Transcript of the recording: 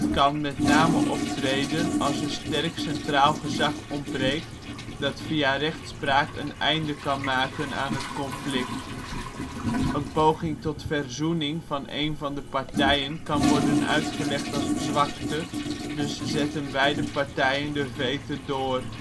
kan met name optreden als een sterk centraal gezag ontbreekt, dat via rechtspraak een einde kan maken aan het conflict. Een poging tot verzoening van een van de partijen kan worden uitgelegd als zwakte, dus zetten beide partijen de vete door